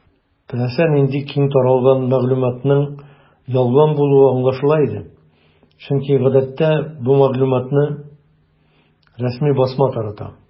Теләсә нинди киң таралган мәгълүматның ялган булуы аңлашыла иде, чөнки гадәттә бу мәгълүматны рәсми басма тарата.